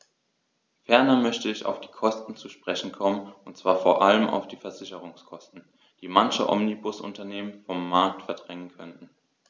Ferner möchte ich auf die Kosten zu sprechen kommen, und zwar vor allem auf die Versicherungskosten, die manche Omnibusunternehmen vom Markt verdrängen könnten.